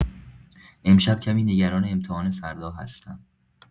امشب کمی نگران امتحان فردا هستم.